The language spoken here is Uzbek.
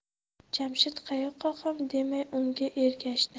jamshid qayoqqa ham demay unga ergashdi